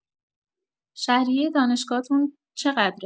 شهریه دانشگاهتون چقدره؟